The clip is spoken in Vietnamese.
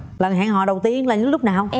lần hẹn hò đầu tiên là lúc nào